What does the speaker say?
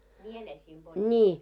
mie läksiin polnitsaa.